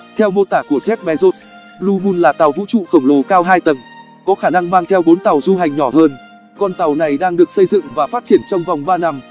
theo mô tả của jeff bezos blue moon là tàu vũ trụ khổng lồ cao hai tầng có khả năng mang theo tàu du hành nhỏ hơn con tàu này đang được xây dựng và phát triển trong vòng ba năm